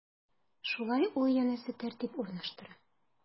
Шулай ул, янәсе, тәртип урнаштыра.